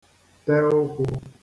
-te ụkwụ